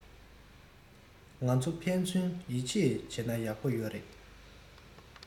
ང ཚོ ཕན ཚུན ཡིད ཆེད བྱེད ན ཡག པོ རེད